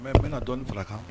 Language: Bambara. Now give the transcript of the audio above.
Mais n bɛna dɔɔnin far'a kan